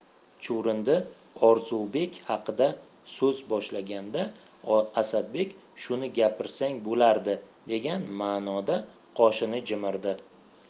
chuvrindi orzubek haqida so'z boshlaganda asadbek shuni gapirmasang bo'lardi degan ma'noda qoshini chimirdi